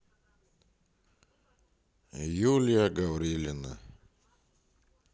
юлия гаврилина